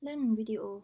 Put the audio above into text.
เล่นวีดีโอ